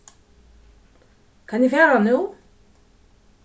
kann eg fara nú